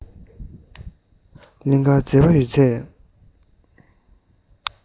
གླིང གའི མཛེས པ ཡོད ཚད